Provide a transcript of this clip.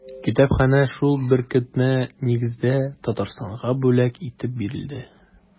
Китапханә шул беркетмә нигезендә Татарстанга бүләк итеп бирелде.